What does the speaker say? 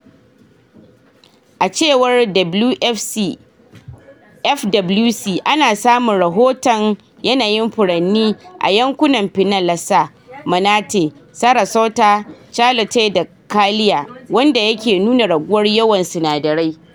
A cewar FWC,ana samun rahoton yanayin furanni a yankunan Pinellas, Manatee, Sarasota, Charlotte da Collier - wanda yake nuna raguwar yawan sinadarai.